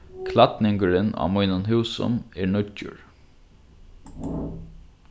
klædningurin á mínum húsum er nýggjur